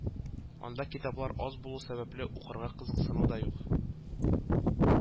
Анда китаплар аз булу сәбәпле, укырга кызыксыну да юк